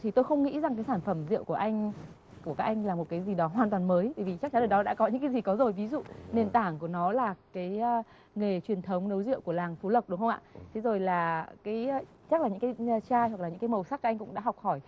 thì tôi không nghĩ rằng cái sản phẩm rượu của anh của các anh là một cái gì đó hoàn toàn mới bởi vì chắc chắn ở đó đã có những cái gì có rồi ví dụ nền tảng của nó là cái nghề truyền thống nấu rượu của làng phú lộc đúng không ạ thế rồi là cái chắc là những cái chai hoặc là những cái màu sắc anh cũng đã học hỏi